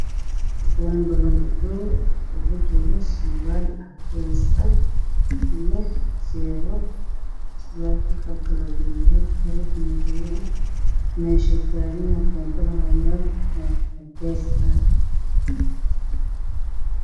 Meeshan waxaa yaalo sual qarxan oo kaleerkiisu yahay cadas